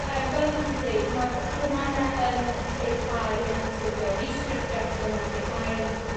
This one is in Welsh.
yy fel 'dyn ti deud ma'r hormone yn lleihau yn naturiol ma'r oestrogen a progesteron yn lleihau yn ystod y